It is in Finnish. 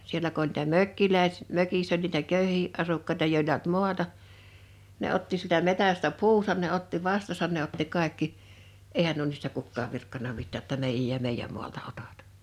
siellä kun oli niitä - mökissä oli niitä köyhiä asukkaita joilla ei ollut maata ne otti sieltä metsästä puunsa ne otti vastansa ne otti kaikki eihän nuo niistä kukaan virkkanut mitään jotta meidän ja meidän maalta otat